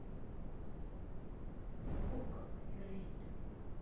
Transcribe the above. okko аферисты